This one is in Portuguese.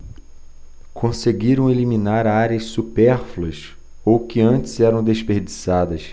conseguiram eliminar áreas supérfluas ou que antes eram desperdiçadas